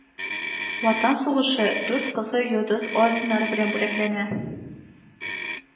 Ватан сугышы, дүрт Кызыл Йолдыз орденнары белән бүләкләнә